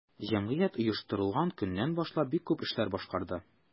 Җәмгыять оештырылган көннән башлап бик күп эшләр башкарды.